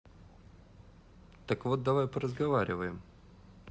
так вот давай поразговариваем